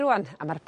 ...rŵan a ma'r